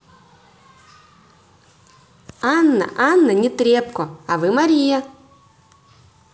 анна анна нетребко а вы мария